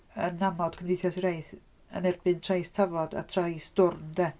Yn amod Cymdeithas yr Iaith, yn erbyn trais tafod a trais dwrn de.